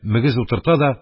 Мөгез утырта да